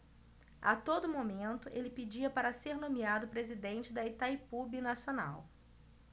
a todo momento ele pedia para ser nomeado presidente de itaipu binacional